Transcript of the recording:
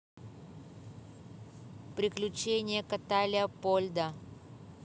приключение кота леопольда